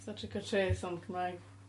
Fatha trick or treat on' Cymraeg.